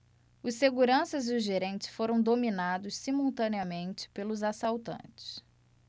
os seguranças e o gerente foram dominados simultaneamente pelos assaltantes